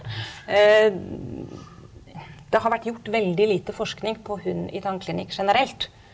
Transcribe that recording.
det har vært gjort veldig lite forskning på hund i tannklinikk generelt.